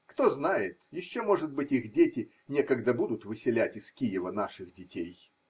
Кто знает, еще может быть, их дети некогда будут выселять из Киева наших детей.